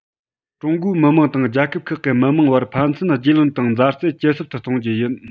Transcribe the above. ཀྲུང གོའི མི དམངས དང རྒྱལ ཁབ ཁག གི མི དམངས བར ཕན ཚུན རྒྱུས ལོན དང མཛའ བརྩེ ཇེ ཟབ ཏུ གཏོང རྒྱུ ཡིན